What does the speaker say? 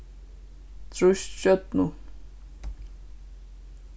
trýst stjørnu